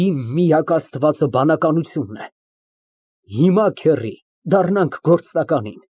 Իմ միակ Աստվածը բանականությունն է։ Հիմա, քեռի, դառնանք գործնականին։